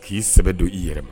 K'i sɛbɛn don i yɛrɛ m.a